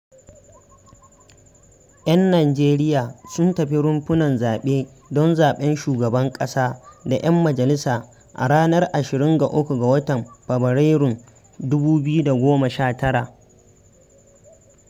Yan Nijeriya sun tafi rumfunan zaɓe don zaɓen sabon shugaban ƙasa da 'yan majalisa a ranar 23 ga watan Fabrairun 2019.